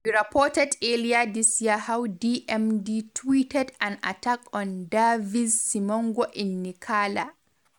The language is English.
We reported earlier this year how MDM tweeted an attack on Daviz Simango in Nacala.